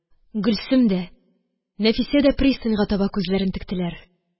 Гөлсем дә, Нәфисә дә пристаньга таба күзләрен тектеләр,